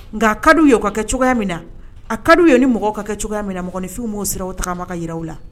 Nka a kadiw ye o ka kɛ cogoya min na a kadiw ye ni mɔgɔw ka kɛ cogoya minɛ mɔgɔɔgɔninfin maawo sera utaama ka yiw la